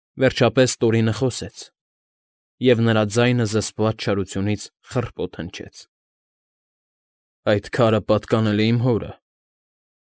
Վերջապես Տորինը խոսեց, և նրա ձայնը զսպված չարությունից խռպոտ հնչեց. ֊ Այդ քարը պատկանել է իմ հորը։